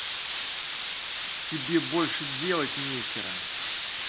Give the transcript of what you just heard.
тебе больше делать нехера